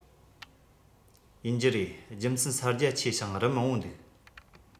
ཡིན རྒྱུ རེད རྒྱུ མཚན ས རྒྱ ཆེ ཞིང རི མང པོ འདུག